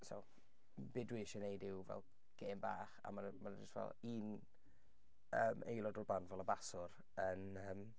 So be dwi isie wneud yw fel gêm bach a ma'r yy ma' 'na jyst fel un yym aelod o'r band fel y baswr yn yym...